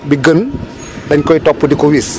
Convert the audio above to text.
bi gën dañ koy topp di ko wis